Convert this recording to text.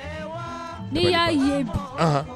Ne y'a ye